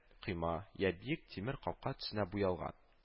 Койма, йә биек тимер капка төсенә буялган